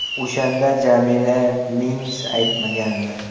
o'shanda jamila mengs aytmagandi